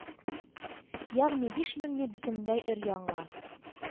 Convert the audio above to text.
Ягъни биш меңе бөтенләй өр-яңа,